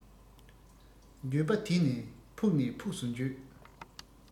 འགྱོད པ དེ ནི ཕུགས ནས ཕུགས སུ འགྱོད